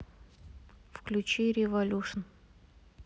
включи революшн